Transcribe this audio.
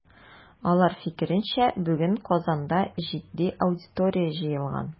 Алар фикеренчә, бүген Казанда җитди аудитория җыелган.